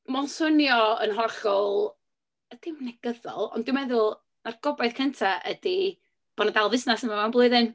Mae'n swnio yn hollol... dim negyddol, ond dwi'n meddwl na'r gobaith cynta ydy bod 'na dal fusnes yma mewn blwyddyn.